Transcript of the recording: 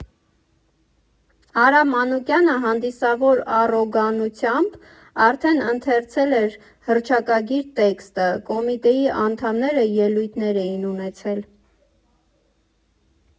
Արամ Մանուկյանը հանդիսավոր առոգանությամբ արդեն ընթերցել էր հռչակագրի տեքստը, Կոմիտեի անդամները ելույթներ էին ունեցել։